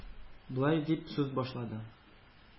Болай дип сүз башлады: